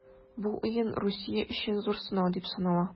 Бу уен Русия өчен зур сынау дип санала.